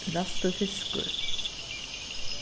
ræstur fiskur